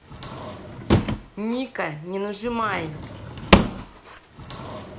ника не нажимай